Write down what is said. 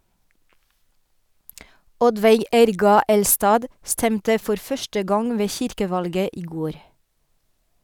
Oddveig Erga Elstad stemte for første gang ved kirkevalget i går.